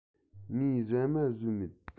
ངས ཟ མ ཟོས མེད